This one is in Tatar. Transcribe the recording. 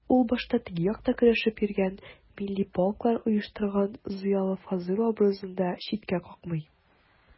Ул башта «теге як»та көрәшеп йөргән, милли полклар оештырган зыялы Фазыйл образын да читкә какмый.